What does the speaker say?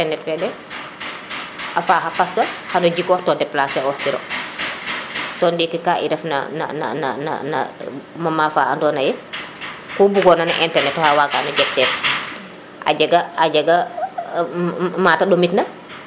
internet fe de a faaxa parce que xano jikoox to déplacer u kiro to ndiki ka i ndefna na na moment fa ando naye ku bugona no internet wagano jeg teen a jega a jega mate ɗomit na